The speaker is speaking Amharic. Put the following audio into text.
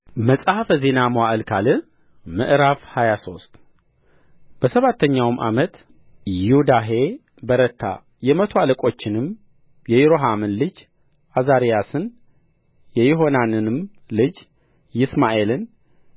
መጽሐፈ ዜና መዋዕል ካልዕ ምዕራፍ ሃያ ሶስት በሰባተኛውም ዓመት ዮዳሄ በረታ የመቶ አለቆቹንም የይሮሐምን ልጅ ዓዛርያስን የይሆሐናንንም ልጅ ይስማኤልን